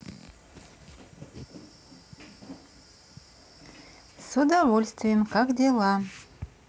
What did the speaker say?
с удовольствием как дела